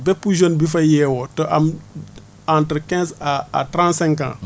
bépp jeune bu fay yeewoo te am entre quinze à à trente cinq ans